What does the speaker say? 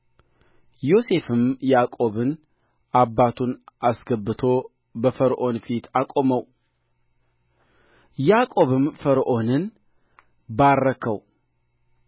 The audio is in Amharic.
ዮሴፍም ያዕቆብን አባቱን አስገብቶ በፈርዖን ፊት አቆመው ያዕቆብም ፈርዖንን ባረከው